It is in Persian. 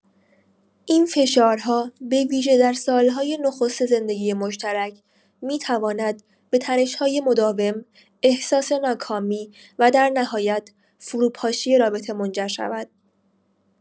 این فشارها به‌ویژه در سال‌های نخست زندگی مشترک می‌تواند به تنش‌های مداوم، احساس ناکامی و در نهایت فروپاشی رابطه منجر شود.